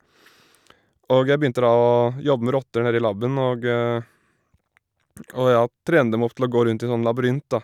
Og jeg begynte da å jobbe med rotter nedi labben, og og, ja, trene dem opp til å gå rundt i sånn labyrint, da.